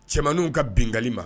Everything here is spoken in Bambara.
Cɛmanw ka bingali ma